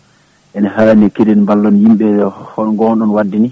ene hanni kadi ballon yimɓe yo holno gowno ɗon wadde ni